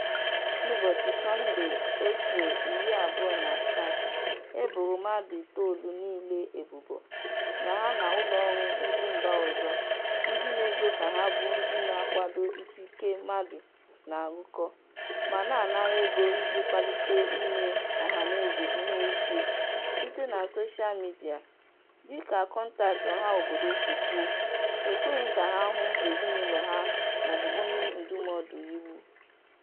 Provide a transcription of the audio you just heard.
N'ụbọchị Sọnde, Eprel 27, e boro mmadụ itoolu niile ebubo na ha na ụlọọrụ ndị mba ọzọ ndị na-ezo ka ha bụ ndị na-akwado ikike mmadụ na-arụkọ... ma na-anara ego iji kpalite ime ọhanaeze ihe ike site na soshal midịa" Dịka kọntaktị ọhaobodo si kwuo, e kweghị ka ha hụ ezinaụlọ ha maọbụ onye ndụmọdụ iwu.